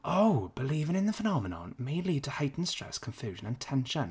Oh, "believing in the phenomenon may lead to heightened stress, confusion and tension."